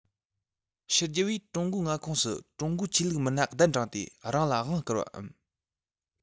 ཕྱི རྒྱལ བས ཀྲུང གོའི མངའ ཁོངས སུ ཀྲུང གོའི ཆོས ལུགས མི སྣ གདན དྲངས ཏེ རང ལ དབང བསྐུར བའམ